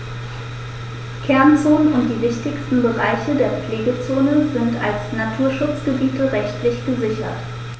Kernzonen und die wichtigsten Bereiche der Pflegezone sind als Naturschutzgebiete rechtlich gesichert.